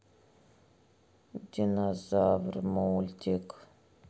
динозавр мультик